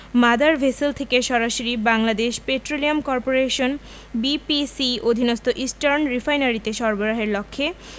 mother vessel থেকে সরাসরি Bangladesh petroleum করপোরেশনের বিপিসি অধীনস্থ ইস্টার্ন রিফাইনারিতে সরবরাহের লক্ষ্যে